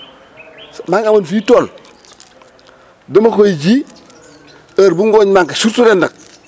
maa ngi amoon fii tool dama koy ji heure bu ngooñ manqué surtout ren nag